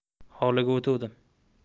hovliga o'tuvdim